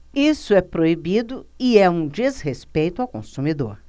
isso é proibido e é um desrespeito ao consumidor